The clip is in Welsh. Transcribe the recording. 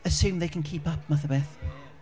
assume they can keep up math o beth ...Ie, ie.